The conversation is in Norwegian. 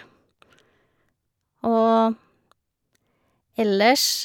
Og ellers...